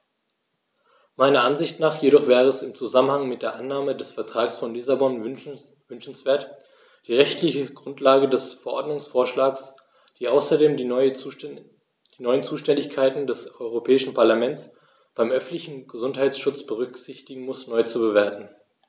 Meiner Ansicht nach jedoch wäre es im Zusammenhang mit der Annahme des Vertrags von Lissabon wünschenswert, die rechtliche Grundlage des Verordnungsvorschlags, die außerdem die neuen Zuständigkeiten des Europäischen Parlaments beim öffentlichen Gesundheitsschutz berücksichtigen muss, neu zu bewerten.